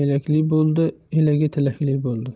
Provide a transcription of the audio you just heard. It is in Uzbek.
elakli bo'ldi elagi tilakli bo'ldi